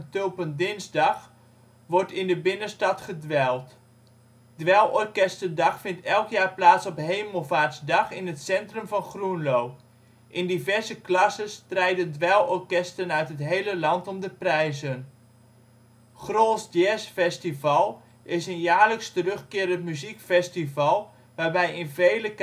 tulpendinsdag wordt in de binnenstad gedweild. Dweilorkestendag vindt elk jaar plaats op Hemelvaartsdag in het centrum van Groenlo. In diverse klasses strijden dweilorkesten uit het hele land om de prijzen. Grols Jazz Vesteval is een jaarlijks terugkerend muziekfestival waarbij in vele